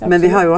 absolutt.